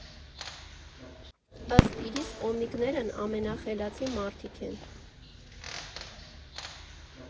Ըստ իս՝ կոմիկներն ամենախելացի մարդիկ են։